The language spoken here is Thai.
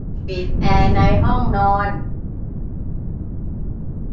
ปิดแอร์ในห้องนอน